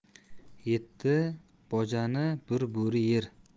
yetti bojani bir bo'ri yer